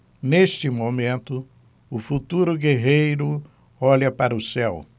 neste momento o futuro guerreiro olha para o céu